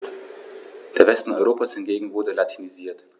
Der Westen Europas hingegen wurde latinisiert.